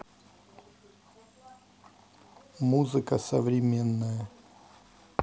музыка современная